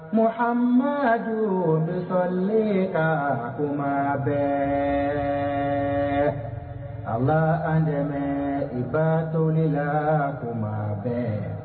Mohamadu n be sɔli k'a tumabɛɛ Ala an dɛmɛ i baatoli laa tumabɛɛ